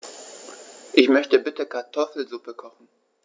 Ich möchte bitte Kartoffelsuppe kochen.